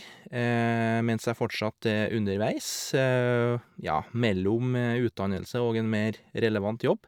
Mens jeg fortsatt er underveis, ja, mellom utdannelse og en mer relevant jobb.